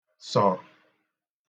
sọ̀